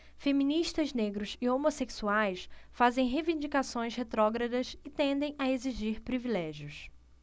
feministas negros e homossexuais fazem reivindicações retrógradas e tendem a exigir privilégios